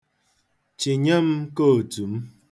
Chịnye m kootu m.